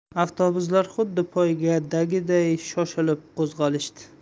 avtobuslar xuddi poygadagiday shoshilib qo'zg'olishdi